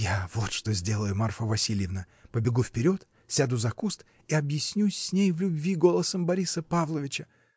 — Я — вот что сделаю, Марфа Васильевна: побегу вперед, сяду за куст и объяснюсь с ней в любви голосом Бориса Павловича.